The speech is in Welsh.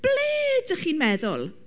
Ble dach chi'n meddwl?